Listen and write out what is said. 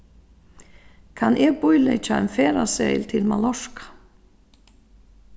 kann eg bíleggja ein ferðaseðil til mallorka